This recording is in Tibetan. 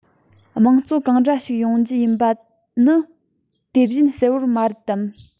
དམངས གཙོ གང འདྲ ཞིག ཡོང རྒྱུ ཡིན པ ནི དེ བཞིན གསལ པོ མ རེད དམ